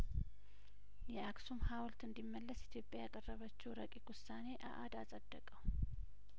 የአክሱም ሀውልት እንዲ መለስ ኢትዮጵያ ያቀረበችው ረቂቅ ውሳኔ አአድ አጸደቀው